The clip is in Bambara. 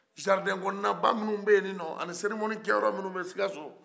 jaridɛn kɔnɔnaba minnuw bɛ ye ninɔ ani ceremoni kɛ yɔrɔ minnuw bɛ sikaso